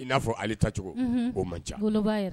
I'a fɔ' tacogo o manc